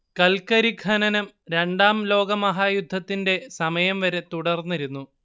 കൽക്കരി ഖനനം രണ്ടാം ലോകമഹായുദ്ധത്തിന്റെ സമയം വരെ തുടർന്നിരുന്നു